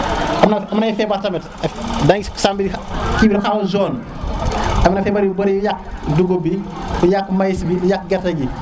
am na ay febar tamit da sam da gis ki bi xawa jaune amna febar you bëri yuy yank dugub bi di yank mais di yaak gerte gi